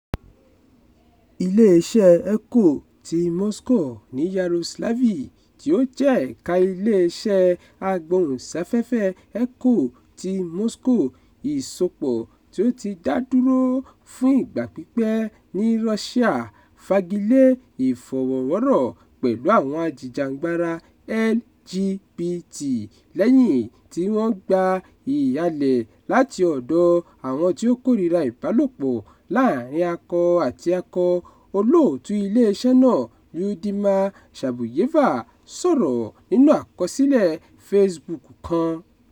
Ilé-iṣẹ́ Echo ti Moscow ní Yaroslavl tí ó jẹ́ ẹ̀ka ilé-iṣẹ́ Agbóhùnsáfẹ́fẹ́ Echo ti Moscow ìsopọ̀ tí ó ti dá dúró fún ìgbà pípẹ́ ní Russia fagi lé ìfọ̀rọ̀wọ́rọ̀ pẹ̀lú àwọn ajìjàǹgbara LGBT lẹ́yìn tí wọ́n gba ìhalẹ̀ láti ọ̀dọ̀ àwọn tí ó kórìíra-ìbálòpọ̀-láàárín-akọ-àti-akọ, olóòtú ilé-iṣẹ́ náà Lyudmila Shabuyeva sọ̀rọ̀ nínú àkọsílẹ̀ Facebook kan: